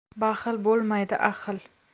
baxil bo'lmaydi ahil